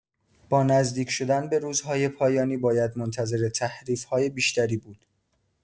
با نزدیک‌شدن به روزهای پایانی، باید منتظر تحریف‌های بیشتری بود.